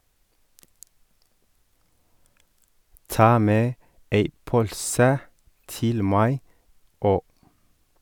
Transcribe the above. Ta med ei pølse til meg òg!